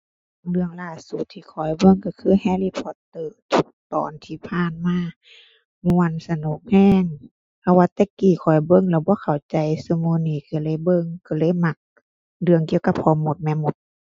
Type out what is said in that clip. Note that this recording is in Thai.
เรื่องล่าสุดที่ข้อยเบิ่งก็คือ Harry Potter ตอนที่ผ่านมา ม่วน สนุกก็ เพราะว่าแต่กี้ข้อยเบิ่งแล้วบ่เข้าใจ ซุมื้อนี้ก็เลยเบิ่ง ก็เลยมักเรื่องเกี่ยวกับพ่อมดแม่มด